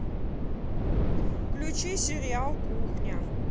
включи сериал кухня